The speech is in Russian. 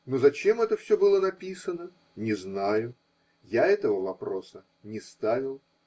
Но зачем это все было написано – не знаю. Я этого вопроса не ставил.